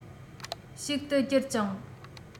ཞིག ཏུ གྱུར ཅིང